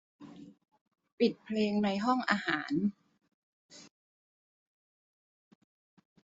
ปิดเพลงในห้องอาหาร